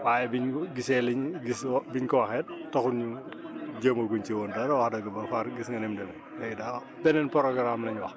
waaye biñ gisee liñ gis wo biñ ko waxee it taxul ñu jéemaguñ si woon dara wax dëgg ba far gis nga ni mu demee léegi daal beneen programme lañ wax